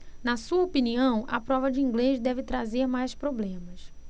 na sua opinião a prova de inglês deve trazer mais problemas